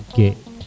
ok